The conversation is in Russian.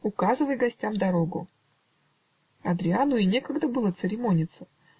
указывай гостям дорогу!" Адрияну и некогда было церемониться.